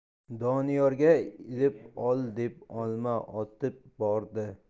doniyorga ilib ol deb olma otib bordi